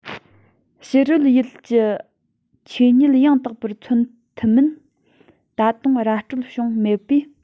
ཕྱི རོལ ཡུལ གྱི ཆོས ཉིད ཡང དག པར མཚོན ཐུབ མིན ད དུང ར སྤྲོད བྱུང མེད པས